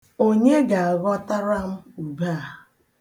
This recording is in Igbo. Onye ga-aghọtara m ube a?